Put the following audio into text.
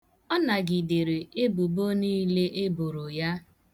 Ọ nagịdere ebubo niile e boro ya.